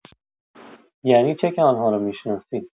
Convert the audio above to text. یعنی چه که آن‌ها را می‌شناسی؟!